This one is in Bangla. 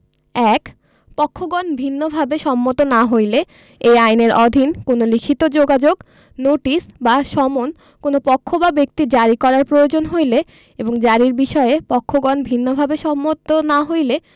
১ পক্ষগণ ভিন্নভাবে সম্মত না হইলে এই আইনের অধীন কোন লিখিত যোগাযোগ নোটিশ বা সমন কোন পক্ষ বা ব্যক্তির জারী করার প্রয়োজন হইলে এবং জারীর বিষয়ে পক্ষগণ ভিন্নভাবে সম্মত না হইলে